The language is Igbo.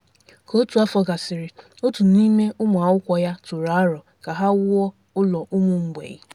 Ka otu afọ gasiri, otu n'ime ụmụ akwụkwọ ya tụrụ aro ka ha wuo ụlọ ụmụ mgbei.